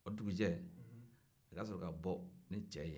o dugujɛ a ka sɔrɔ ka bɔ ni cɛ ye